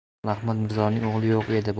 sulton ahmad mirzoning o'g'li yo'q edi